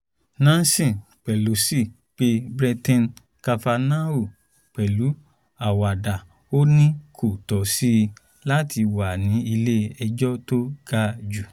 Nancy Pelosi pe Brett Kavanaugh pẹ̀lú àwàdá, ó ní, kò tọ́ si i láti wà ní Ilé-ẹjọ́ tó gajù.